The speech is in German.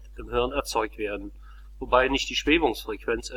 wobei nicht die Schwebungsfrequenz